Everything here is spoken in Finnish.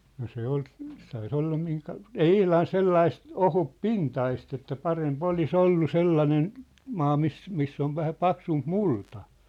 no se oli sai se olla - ei ihan sellaista ohutpintaista että parempi olisi ollut sellainen maa missä missä on vähän paksumpi multa